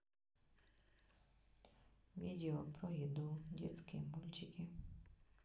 видео про еду детские мультики